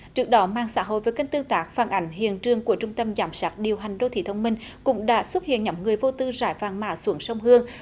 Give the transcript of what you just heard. trước đó mạng xã hội với kênh tương tác phản ảnh hiện trường của trung tâm giám sát điều hành đô thị thông minh cũng đã xuất hiện nhóm người vô tư rải vàng mã xuống sông hương